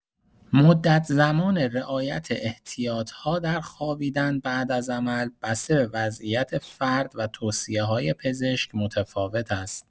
مدت‌زمان رعایت احتیاط‌ها در خوابیدن بعد از عمل، بسته به وضعیت فرد و توصیه‌های پزشک متفاوت است.